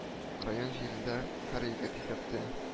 Район җирендә һәр егет исәптә